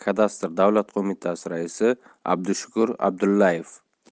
kadastr davlat qo'mitasi raisi abdushukur abdullayev